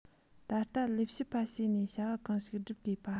ད ལྟ ལས བྱེད པ བྱས ནས བྱ བ གང ཞིག བསྒྲུབ དགོས པ